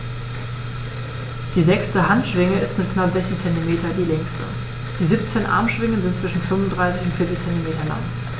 Die sechste Handschwinge ist mit knapp 60 cm die längste. Die 17 Armschwingen sind zwischen 35 und 40 cm lang.